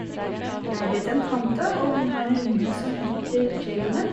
Jeg har blitt en tante, og hun har en unge som heter Jaylen.